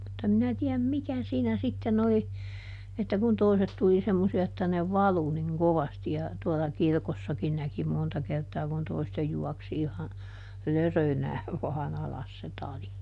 mutta en minä tiedä mikä siinä sitten oli että kun toiset tuli semmoisia että ne valui niin kovasti ja tuolla kirkossakin näki monta kertaa kun toisten juoksi ihan lörönään vain alas se tali